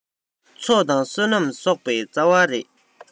ཚོགས དང བསོད ནམས གསོག པའི རྩ བ རེད